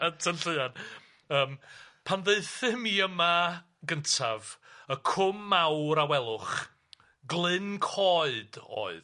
y tylluan yym pan ddaethum i yma gyntaf y cwm mawr a welwch, glyn coed oedd.